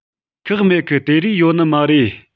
ཁག མེད གི དེ རས ཡོད ནི མ རེད